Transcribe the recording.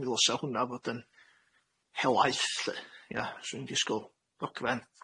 'mi ddylsa hwnna fod yn helaeth lly. Ia, swn i'n disgwl dogfen.